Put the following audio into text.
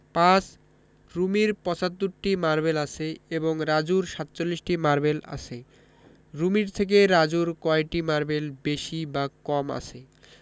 ৫ রুমির ৭৫টি মারবেল আছে এবং রাজুর ৪৭টি মারবেল আছে রুমির থেকে রাজুর কয়টি মারবেল বেশি বা কম আছে